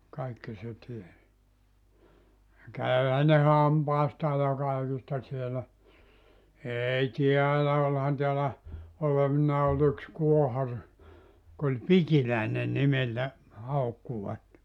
kaikki se tiesi ja kävihän ne hampaistaan ja kaikista siellä ei täällä olihan täällä olevinaan oli yksi kuohari joka oli Pikiläinen nimeltä haukkuivat